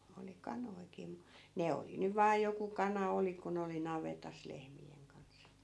oli kanojakin mutta ne oli nyt vain joku kana oli kun oli navetassa lehmien kanssa